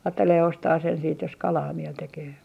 ajattelee ostaa sen sitten jos kalaa mieli tekee